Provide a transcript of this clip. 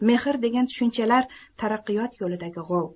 mehr degan tushunchalar taraqqiyot yo'lidagi g'ov